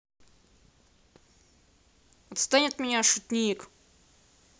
отстань от меня шутник